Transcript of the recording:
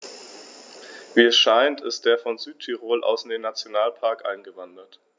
Wie es scheint, ist er von Südtirol aus in den Nationalpark eingewandert.